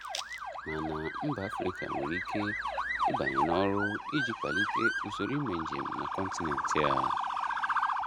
Mana, mba Afrịka nwere ike ịbanye n'ọrụ iji kwalite usoro ime njem na kọntinent a.